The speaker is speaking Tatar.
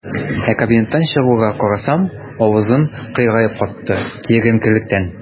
Ә кабинеттан чыгуга, карасам - авызым кыегаеп катты, киеренкелектән.